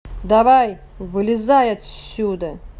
давай вылезай отсюда